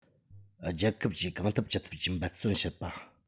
རྒྱལ ཁབ ཀྱིས གང ཐུབ ཅི ཐུབ ཀྱིས འབད བརྩོན བྱེད པ